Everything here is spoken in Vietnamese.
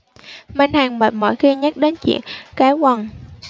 minh hằng mệt mỏi khi nhắc đến chuyện cái quần